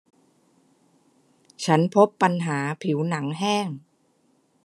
ฉันพบปัญหาผิวหนังแห้ง